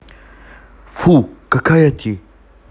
фу какая ты